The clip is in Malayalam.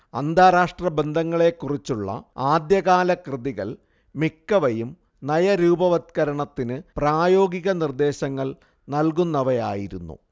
അന്താരാഷ്ട്രബന്ധങ്ങളെക്കുറിച്ചുള്ള ആദ്യകാലകൃതികൾ മിക്കവയും നയരൂപവത്കരണത്തിന് പ്രായോഗിക നിർദ്ദേശങ്ങൾ നൽകുന്നവയായിരുന്നു